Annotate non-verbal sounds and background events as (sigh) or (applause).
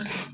(hesitation) (hesitation)